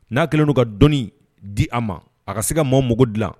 N'a kɛlen do ka dɔni di a ma a ka se ka maaw mago dilan